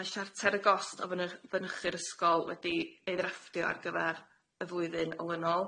Mae siarter y gost o fyny- fynychu'r ysgol wedi ei ddrafftio ar gyfer y flwyddyn olynol.